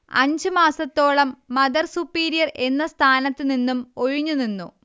അഞ്ച് മാസത്തോളം mother superior എന്ന സ്ഥാനത്തു നിന്നും ഒഴിഞ്ഞു നിന്നു